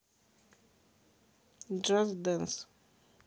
джаз дэнс